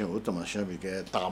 O tamasiyɛn bɛ kɛ